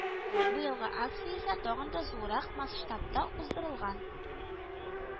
Быелгы акция исә тагын да зуррак масштабта уздырылган